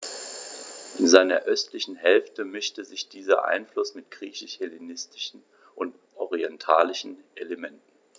In seiner östlichen Hälfte mischte sich dieser Einfluss mit griechisch-hellenistischen und orientalischen Elementen.